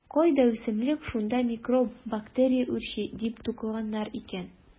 Кайда үсемлек - шунда микроб-бактерия үрчи, - дип тукыганнар икән.